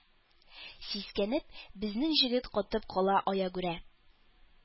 Сискәнеп, безнең Җегет катып кала аягүрә,